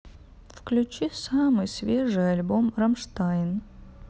включи самый свежий альбом рамштайн